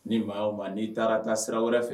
Ni maa o ma n'i taara taa sira wɛrɛ fɛ